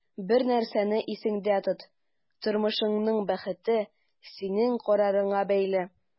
Бер нәрсәне исеңдә тот: тормышыңның бәхете синең карарыңа бәйле.